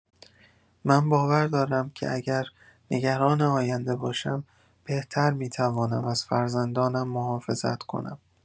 من باور دارم که اگر نگران آینده باشم، بهتر می‌توانم از فرزندانم محافظت کنم.